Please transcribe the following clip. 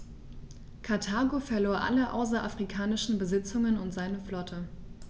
Karthago verlor alle außerafrikanischen Besitzungen und seine Flotte.